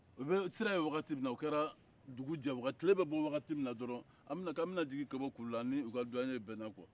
u bɛ sira ye wagati min na o kɛra dugujɛ wagati tile bɛ bɔ wagati min na dɔrɔn k'an bɛna sigi ka bɔ kulula an n'u ka duwanɲɛ bɛnna kuwa